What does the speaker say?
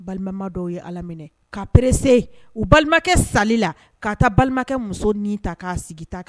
Balimama dɔw ye ala minɛ ka presser u balimakɛ sali la ka taa balimakɛ muso ni ta k'a sigi ta kan